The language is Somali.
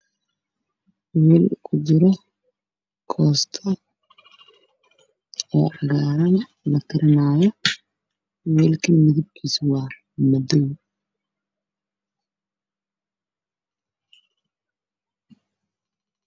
Sahan ku jiro goosto koostada waa cagaar saxan ka ay ku jirtana waa mudo